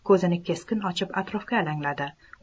ko'zini keskin ochib atrofiga alangladi